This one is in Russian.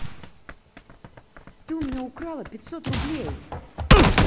ты у меня украла пятьсот рублей